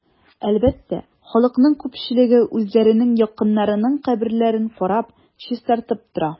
Әлбәттә, халыкның күпчелеге үзләренең якыннарының каберлекләрен карап, чистартып тора.